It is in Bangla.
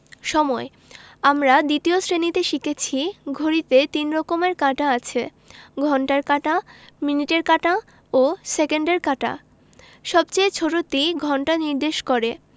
সময়ঃ আমরা ২য় শ্রেণিতে শিখেছি ঘড়িতে ৩ রকমের কাঁটা আছে ঘণ্টার কাঁটা মিনিটের কাঁটা ও সেকেন্ডের কাঁটা সবচেয়ে ছোটটি ঘন্টা নির্দেশ করে